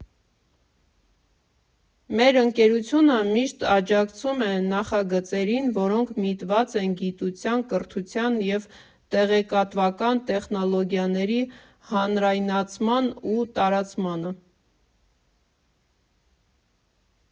Մեր ընկերությունը միշտ աջակցում է նախագծերին, որոնք միտված են գիտության, կրթության և տեղեկատվական տեխնոլոգիաների հանրայնացմանն ու տարածմանը։